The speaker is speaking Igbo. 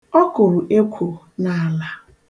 Ọ kụrụ ekwo n'ala.